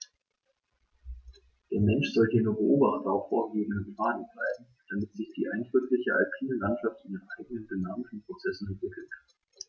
Der Mensch soll hier nur Beobachter auf vorgegebenen Pfaden bleiben, damit sich die eindrückliche alpine Landschaft in ihren eigenen dynamischen Prozessen entwickeln kann.